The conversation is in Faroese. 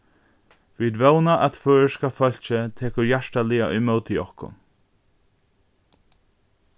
vit vóna at føroyska fólkið tekur hjartaliga ímóti okkum